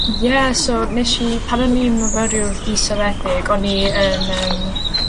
Ie so nesh i pan o'n i'n myfyriwr israddedig o'n i yn yym